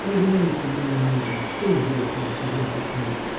— Разумеется, мне не нужно: что интересного в чужом письме?